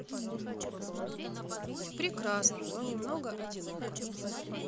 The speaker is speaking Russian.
прекрасно но немного одиноко